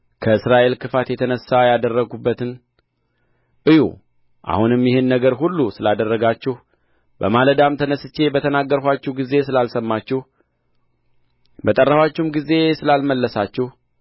ከእስራኤል ክፋት የተነሣ ያደረግሁበትን እዩ አሁንም ይህን ነገር ሁሉ ስላደረጋችሁ በማለዳም ተነሥቼ በተናገርኋችሁ ጊዜ ስላልሰማችሁ በጠራኋችሁም ጊዜ ስላልመለሳችሁ